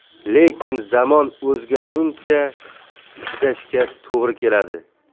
lekin zamon o'zgarguncha chidashga to'g'ri keladi